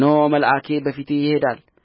እነሆ መልአኬ በፊትህ ይሄዳል